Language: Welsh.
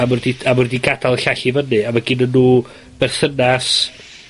a ma' nw 'di, a ma' nw 'di gadal y llall i fynny, a ma' ginno nw berthynas